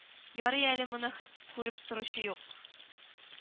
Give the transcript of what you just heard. Ярый әле моны хет күреп торучы юк